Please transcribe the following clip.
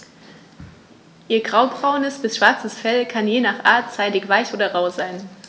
Ihr graubraunes bis schwarzes Fell kann je nach Art seidig-weich oder rau sein.